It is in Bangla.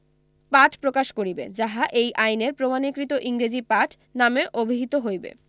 পাঠ প্রকাশ করিবে যাহা এই আইনের প্রমাণীকৃত ইংরেজী পাঠ নামে অভিহিত হইবে